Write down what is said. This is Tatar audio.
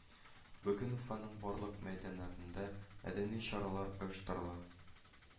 Бүген Уфаның барлык мәйданнарында мәдәни чаралар оештырыла